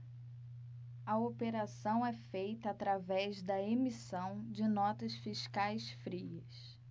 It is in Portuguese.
a operação é feita através da emissão de notas fiscais frias